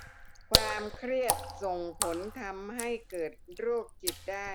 ความเครียดส่งผลทำให้เกิดโรคจิตได้